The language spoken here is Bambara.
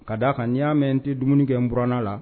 Ka d' a kan ni y'a mɛn tɛ dumuni kɛ buranan la